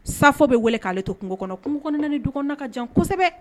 Sa bɛ wele k'ale to kungo kɔnɔ kungok ni dɔgɔn ka jan kosɛbɛ